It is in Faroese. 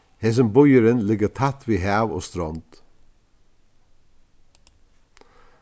hesin býurin liggur tætt við hav og strond